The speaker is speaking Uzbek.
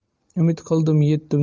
umid qildim yetdim